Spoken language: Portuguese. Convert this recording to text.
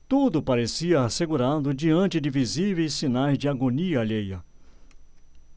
tudo parecia assegurado diante de visíveis sinais de agonia alheia